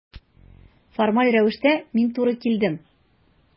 Формаль рәвештә мин туры килдем.